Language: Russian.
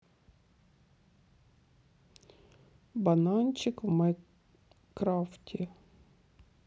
бананчик в майнкрафте